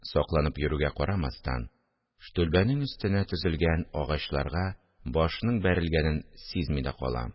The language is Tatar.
Сакланып йөрүгә карамастан, штулбәнең өстенә тезелгән агачларга башның бәрелгәнен сизми дә калам